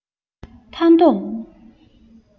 མཐའ བསྡོམས